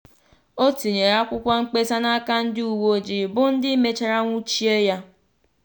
O tinyere akwụkwọ mkpesa n'aka ndị uwe ojii bụ ndị mechara nwụchịa ya.